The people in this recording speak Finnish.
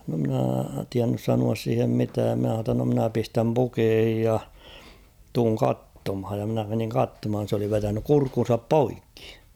no minä tiennyt sanoa siihen mitään minä sanoin jotta no minä pistän pukeisiin ja tulen katsomaan ja minä menin katsomaan se oli vetänyt kurkkunsa poikki